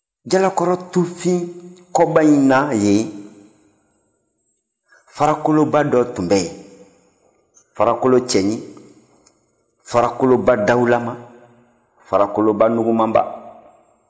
jalakɔrɔ tufin kɔba in na yen farakoloba dɔ tun bɛ ye farakoloba cɛɲi farakoloba dawulama farakoloba nugumanba